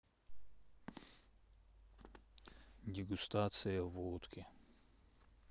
дегустация водки